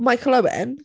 Michael Owen?